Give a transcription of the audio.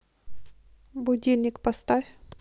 будильник поставь